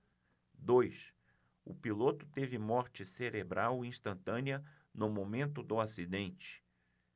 dois o piloto teve morte cerebral instantânea no momento do acidente